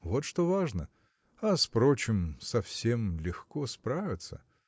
вот что важно, а с прочим со всем легко справиться